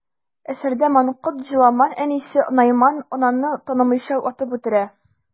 Әсәрдә манкорт Җоламан әнисе Найман ананы танымыйча, атып үтерә.